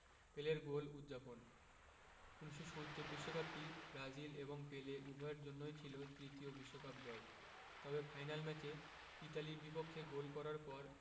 পেলের গোল উদ্ যাপন ১৯৭০ বিশ্বকাপটি ব্রাজিল এবং পেলে উভয়ের জন্যই ছিল তৃতীয় বিশ্বকাপ জয় তবে ফাইনাল ম্যাচে ইতালির বিপক্ষে গোল করার পর